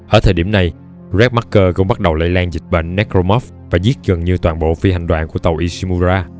ở thời điểm này red marker cũng bắt đầu lây lan dịch bệnh necromorphs và giết gần như toàn bộ phi hành đoàn của tàu ishimura